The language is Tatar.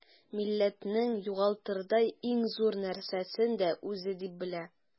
Милләтнең югалтырдай иң зур нәрсәсен дә үзе дип белә.